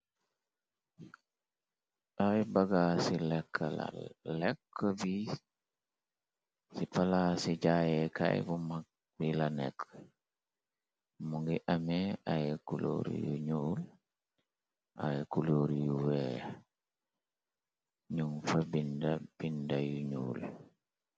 Ay bagaaci lekk la lekk bi ci palaa ci jaaye kaay bu mag bi la nekk mu ngi amee ay kuloor yu nuul ay kuloor yu weex num fa bindi binda yu ñyuul.